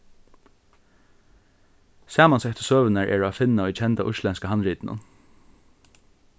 samansettu søgurnar eru at finna í kenda íslendska handritinum